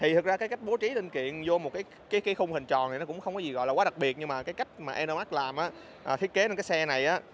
thì thật ra cái cách bố trí linh kiện vô cái khung hình tròn này nó cũng không có gì gọi là quá đặc biệt nhưng mà cái cách mà enermax thiết kế lên cái xe này